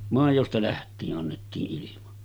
maidosta lähtien annettiin ilman